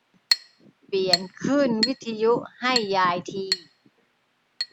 เปลี่ยนคลื่นวิทยุให้ยายที